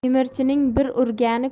temirchining bir urgani